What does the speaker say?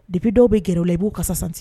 Debi dɔw bɛ kɛlɛ o la i b'u kasa san